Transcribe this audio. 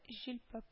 Җилпеп